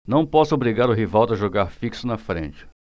não posso obrigar o rivaldo a jogar fixo na frente